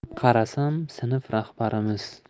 qarasam sinf rahbarimiz